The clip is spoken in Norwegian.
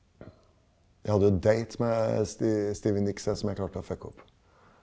jeg hadde jo date med Stevie Nicks jeg som jeg klarte å fucke opp.